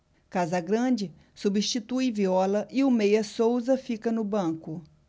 casagrande substitui viola e o meia souza fica no banco